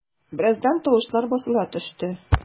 Бераздан тавышлар басыла төште.